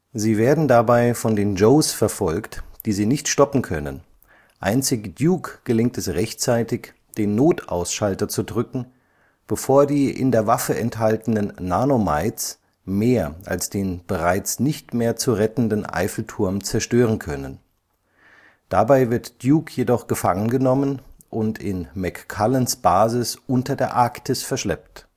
Sie werden dabei von den Joes verfolgt, die sie nicht stoppen können, einzig Duke gelingt es rechtzeitig, den Notausschalter zu drücken, bevor die in der Waffe enthaltenen „ Nano-mites “mehr als den bereits nicht mehr zu rettenden Eiffelturm zerstören können. Dabei wird Duke jedoch gefangengenommen und in McCullens Basis unter der Arktis verschleppt